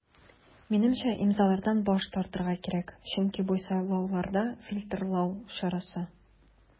Минемчә, имзалардан баш тартырга кирәк, чөнки бу сайлауларда фильтрлау чарасы.